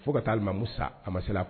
Fo ka ta Alimami sa a ma seli a